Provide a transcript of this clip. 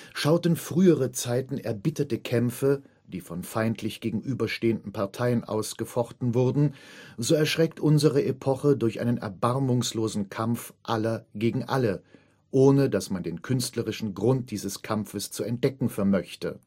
Schauten frühere Zeiten erbitterte Kämpfe, die von feindlich gegenüberstehenden Parteien ausgefochten wurden, so erschreckt unsere Epoche durch einen erbarmungslosen Kampf aller gegen alle, ohne daß man den künstlerischen Grund dieses Kampfes zu entdecken vermöchte